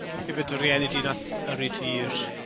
Ife dy rieni di wnaeth yrru ti i'r...